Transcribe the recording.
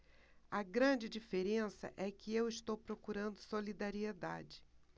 a grande diferença é que eu estou procurando solidariedade